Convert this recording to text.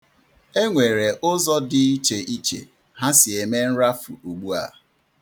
E nwere ụzọ dị iche iche ha si eme nrafu ugbua.